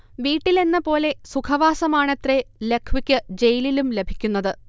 വീട്ടിലെന്ന പോലെ സുഖവാസമാണത്രെ ലഖ്വിക്ക് ജയിലിലും ലഭിക്കുന്നത്